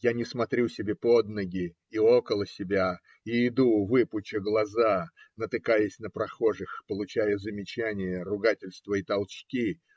Я не смотрю себе под ноги и около себя и иду, выпуча глаза, натыкаясь на прохожих, получая замечания, ругательства и толчки.